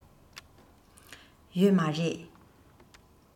ཡོད མ རེད